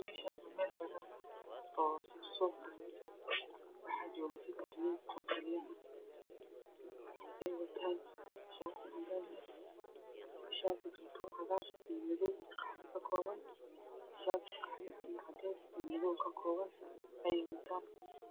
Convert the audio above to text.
Meeshaan waa meel bannaan ah oo soof ah waxa joogo siddex nin oo klliya ah ee wataan shaati caddaan shaati tirtoor caggaar iyo maddow oo kakooban shaati qaxwe iyo caddees middow ka kooban ey wataan